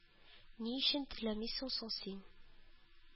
Ни өчен теләмисең соң син